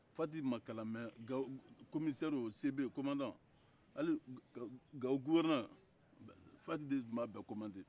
fati in ma kalan mɛ gawo komisɛri o cebe komadan gawo guwɛrnɛri fati de tun de b'a bɛɛ komande